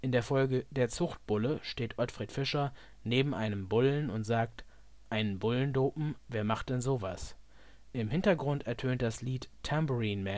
der Folge Der Zuchtbulle steht Ottfried Fischer neben einem Bullen und sagt: " einen Bullen dopen, wer macht denn sowas ". Im Hintergrund ertönt das Lied " Tambourine